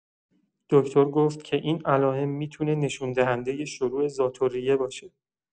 دکتر گفت که این علائم می‌تونه نشون‌دهندۀ شروع ذات‌الریه باشه.